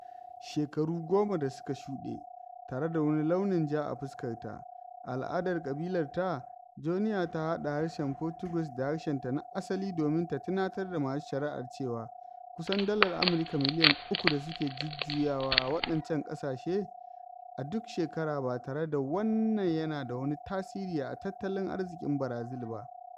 Shekaru goma da suka shuɗe, tare da wani launin ja a fuskarta, a al'adar ƙabilarta, Joenia ta haɗa harshen Portugues da harshenta na asali domin ta tunatar da masu shari'ar cewa kusan dalar Amurka miliyan uku da suke jujjuyawa a waɗancan ƙasashe a duk shekara ba tare da wannan yana da wani tasiri a tattalin arziƙin Barazil ba.